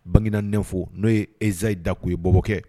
Bagineda i nfo n'o ye Ezayi Dakuyo ye bɔbɔkɛ.